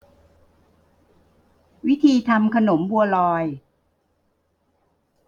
วิธีทำขนมบัวลอย